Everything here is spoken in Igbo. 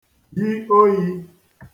yi oyi